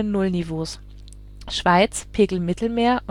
Nullniveaux (Schweiz: Pegel Mittelmeer